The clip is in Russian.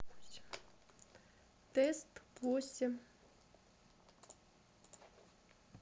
тест восемь